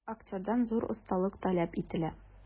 Актердан зур осталык таләп ителә.